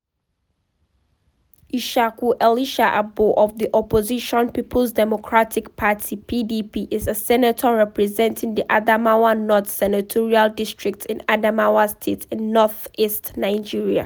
Ishaku Elisha Abbo of the opposition People’s Democratic Party (PDP) is a senator representing the Adamawa North Senatorial District in Adamawa State, in northeast Nigerian.